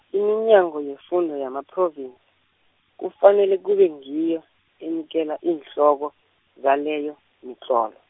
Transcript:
iminyango yefundo yamaphrovinsi, kufanele kube ngiyo, enikela iinhloko zaleyo, mitlolo.